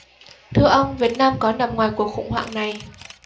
thưa ông việt nam có nằm ngoài cuộc khủng hoảng này